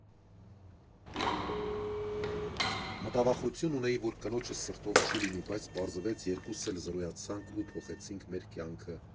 Մտավախություն ունեի, որ կնոջս սրտով չի լինի, բայց պարզվեց՝ երկուսս էլ զրոյացանք ու փոխեցինք մեր կյանքը։